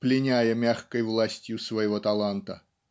пленяя мягкой властью своего таланта.